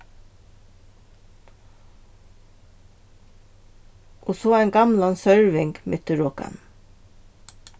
og so ein gamlan sørving mitt í rokanum